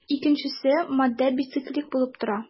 Икенчесе матдә бициклик булып тора.